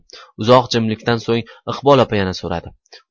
uzoq jimliqdan so'ng iqbol opa yana so'radi